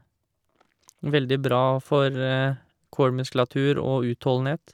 Veldig bra for core-muskulatur og utholdenhet.